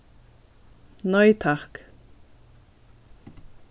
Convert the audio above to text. nei takk